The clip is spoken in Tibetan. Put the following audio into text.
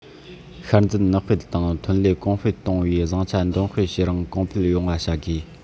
ཤར འཛིན ནུབ སྤེལ དང ཐོན ལས གོང སྤེལ གཏོང བའི བཟང ཆ འདོན སྤེལ བྱེད རིང གོང འཕེལ ཡོང བ བྱ དགོས